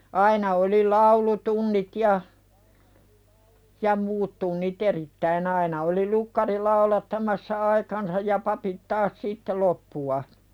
aina oli laulutunnit ja ja muut tunnit erittäin aina oli lukkari laulattamassa aikansa ja papit taas sitten loppua